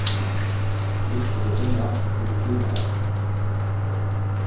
frigg er gudinna fyri hjúnalagnum